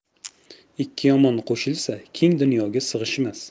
ikki yomon qo'shilsa keng dunyoga siyg'ishmas